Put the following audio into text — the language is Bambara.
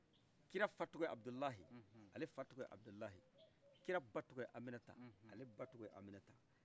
kira fa tɔgɔ abudulayi ale fa tɔgɔ abudulayi kira ba tɔgɔ amainata ale ba tɔgɔ aminata